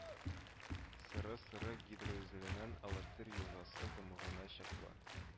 Сыры, Сыры гидроузеленән Алатырь елгасы тамагына чаклы